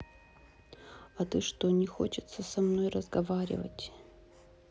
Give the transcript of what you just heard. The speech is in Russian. а ты что не хочеться мной разговаривать